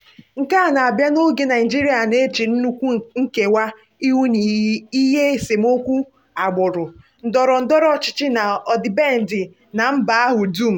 Nke a na-abịa n'oge Naịjirịa na-eche nnukwu nkewa ihu n'ihi esemokwu agbụrụ, ndọrọndọrọ ọchịchị na ọdịbendị na mba ahụ dum.